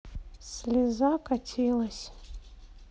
слеза катилась